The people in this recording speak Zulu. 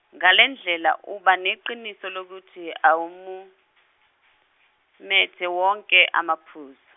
ngalendlela uba neqiniso lokuthi uwamumethe wonke amaphuzu.